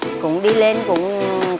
cũng đi lên cũng